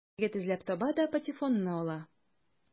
Егет эзләп таба да патефонны ала.